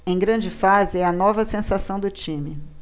em grande fase é a nova sensação do time